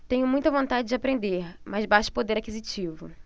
tenho muita vontade de aprender mas baixo poder aquisitivo